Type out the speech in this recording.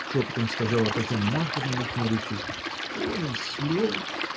— шепотом сказала Татьяна Марковна, нахмурившись, — он и слег.